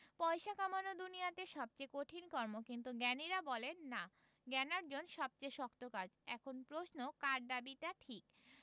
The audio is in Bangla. পয়সা কামানো দুনিয়াতে সবচেয়ে কঠিন কর্ম কিন্তু জ্ঞানীরা বলেন না জ্ঞানার্জন সবচেয়ে শক্ত কাজ এখন প্রশ্ন কার দাবিটা ঠিক